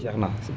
jeex na